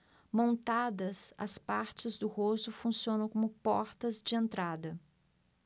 montadas as partes do rosto funcionam como portas de entrada